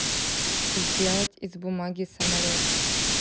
сделать из бумаги самолет